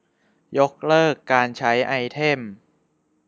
ยกเลิกการใช้ไอเทม